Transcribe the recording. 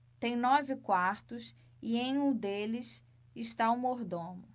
tem nove quartos e em um deles está o mordomo